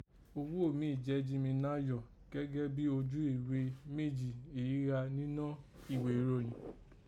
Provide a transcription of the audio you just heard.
Oghó mí í jẹ́ jí mí náyọ̀ gẹ́gẹ́ bí ojú eghé méjì yìí gha ninọ́ ìghé ìròyẹ̀n